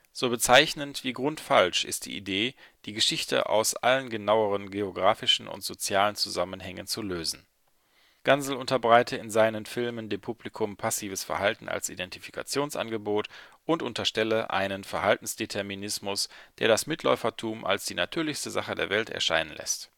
So bezeichnend wie grundfalsch ist die Idee, die Geschichte aus allen genaueren geografischen und sozialen Zusammenhängen zu lösen. “Gansel unterbreite in seinen Filmen dem Publikum passives Verhalten als Identifikationsangebot und unterstelle „ einen Verhaltens-Determinismus, der das Mitläufertum als die natürlichste Sache der Welt erscheinen lässt